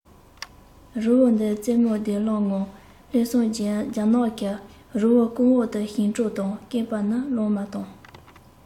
རི བོ འདིའི རྩེ མོ བདེ བླག ངང སླེབས སོང རྒྱ ནག གི རི བོ ཀུན འོག ཏུ ཞིང གྲོང དང སྐེད པ ནི གླང མ དང